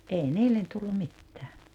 ei niille tullut mitään